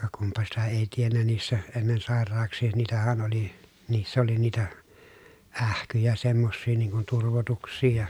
ka kunpa sitä ei tiennyt niissä ennen sairauksia niitähän oli niissä oli niitä ähkyjä semmoisia niin kuin turvotuksia ja